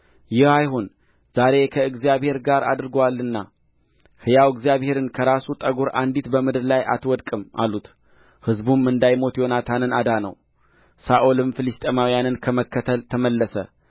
ይህ አይሁን ዛሬ ከእግዚአብሔር ጋር አድርጎአልና ሕያው እግዚአብሔርን ከራሱ ጠጕር አንዲት በምድር ላይ አትወድቅም አሉት ሕዝቡም እንዳይሞት ዮናታንን አዳነው ሳኦልም ፍልስጥኤማውያንን ከመከተል ተመለሰ